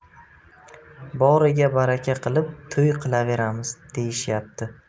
boriga baraka qilib to'y qilaveramiz deyishyapti